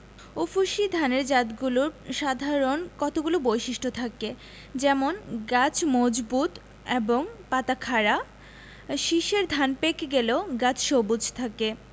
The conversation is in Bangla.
উফশী ধানের জাতগুলোর সাধারণ কতগুলো বৈশিষ্ট্য থাকে যেমনঃ গাছ মজবুত এবং পাতা খাড়া শীষের ধান পেকে গেলেও গাছ সবুজ থাকে